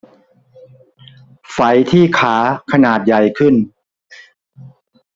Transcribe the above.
ไฝที่ขาขนาดใหญ่ขึ้น